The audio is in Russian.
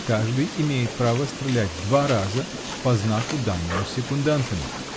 каждый имеет право стрелять два раза по знаку, данному секундантами.